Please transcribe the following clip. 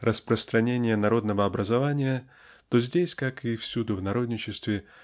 распространение народного образования то здесь как и всюду в народничестве